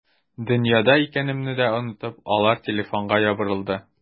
Дөньяда икәнемне дә онытып, алар телефонга ябырылды.